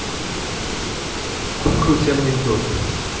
сколько у тебя анекдотов